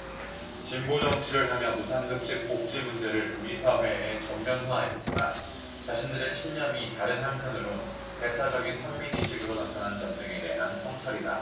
진보정치를 하며 무상급식 복지 문제를 우리 사회에 전면화했지만 자신들의 신념이 다른 한편으론 배타적인 선민의식으로 나타난 점 등에 대한 성찰이다